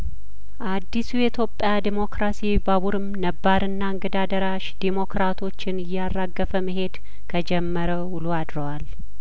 አዲሱ የኢትዮጵያ ዴሞክራሲ ባቡርም ነባርና እንግዳ ደራሽ ዴሞክራቶችን እያራገፈ መሄድ ከጀመረ ውሎ አድሯል